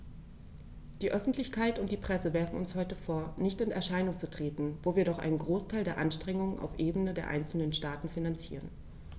Die Öffentlichkeit und die Presse werfen uns heute vor, nicht in Erscheinung zu treten, wo wir doch einen Großteil der Anstrengungen auf Ebene der einzelnen Staaten finanzieren.